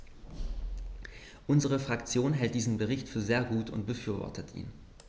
Unsere Fraktion hält diesen Bericht für sehr gut und befürwortet ihn.